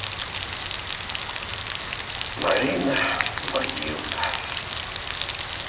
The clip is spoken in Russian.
марина могилка